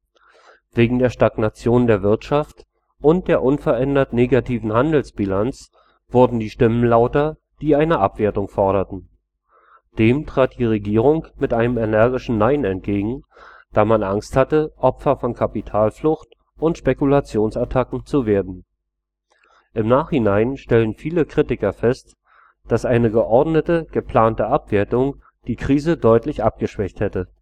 Wegen der Stagnation der Wirtschaft und der unverändert negativen Handelsbilanz wurden die Stimmen lauter, die eine Abwertung forderten. Dem trat die Regierung mit einem energischen Nein entgegen, da man Angst hatte, Opfer von Kapitalflucht und Spekulationsattacken zu werden. Im Nachhinein stellen viele Kritiker fest, dass eine geordnete, geplante Abwertung die Krise deutlich abgeschwächt hätte